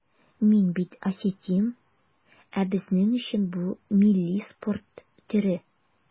Мин бит осетин, ә безнең өчен бу милли спорт төре.